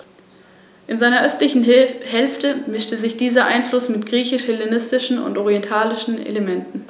Ziel dieses Biosphärenreservates ist, unter Einbeziehung von ortsansässiger Landwirtschaft, Naturschutz, Tourismus und Gewerbe die Vielfalt und die Qualität des Gesamtlebensraumes Rhön zu sichern.